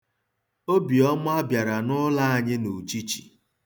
Obiọma bịara n'ụlọ anyị n'uchichi.